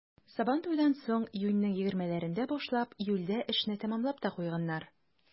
Сабантуйдан соң, июньнең егермеләрендә башлап, июльдә эшне тәмамлап та куйганнар.